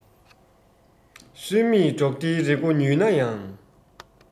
སུན མེད འབྲོག སྡེའི རི སྒོ ཉུལ ན ཡང